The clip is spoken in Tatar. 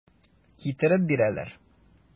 Китереп бирәләр.